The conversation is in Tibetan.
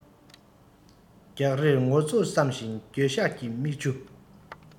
རྒྱག རེས ངོ གསོར བསམ ཞིང འགྱོད ཤགས ཀྱི མིག ཆུ